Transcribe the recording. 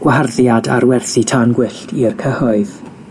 gwaharddiad ar werthu tân gwyllt i'r cyhoedd.